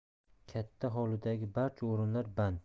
katta hovlidagi barcha o'rinlar band